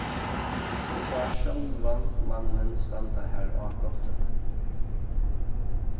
eg sá sjálvan mannin standa har á gáttini